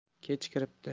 kech kiribdi